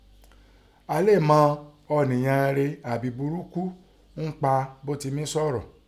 A léè mọ ọ̀nìyàn an re àbí burukú n pa bó ti mí sọ̀rọ̀.